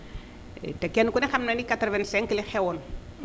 te kenn ku ne xam nga ni 85 li fi xewoon